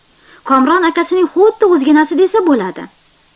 komron akasining xuddi o'ziginasi desa bo'ladi